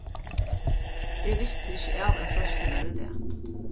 eg visti ikki av at freistin var í dag